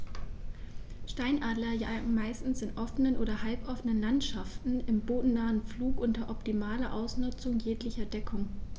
Steinadler jagen meist in offenen oder halboffenen Landschaften im bodennahen Flug unter optimaler Ausnutzung jeglicher Deckung.